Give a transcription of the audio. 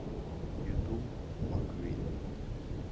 ютуб маквин